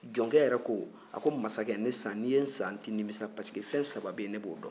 jɔnkɛ yɛrɛ ko a ko masakɛ ne san n'i ye san i tɛ nimisa parce que fɛn saba bɛ yen ne b'o dɔn